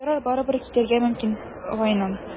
Ярар, барыбер, китәргә мөмкин, Гайнан.